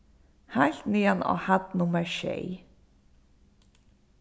heilt niðan á hædd nummar sjey